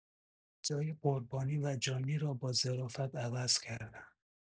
جای قربانی و جانی را با ظرافت عوض‌کردن